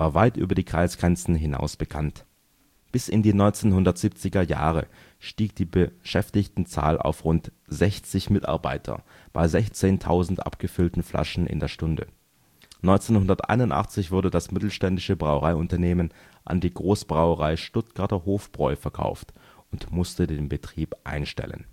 weit über die Kreisgrenzen hinaus bekannt. Bis in die 1970er Jahre stieg die Beschäftigtenzahl auf rund 60 Mitarbeiter bei 16.000 abgefüllten Flaschen in der Stunde. 1981 wurde das mittelständische Brauereiunternehmen an die Großbrauerei Stuttgarter Hofbräu verkauft und musste den Betrieb einstellen